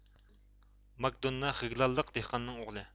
ماك دوننا خىگلانلىق دېھقاننىڭ ئوغلى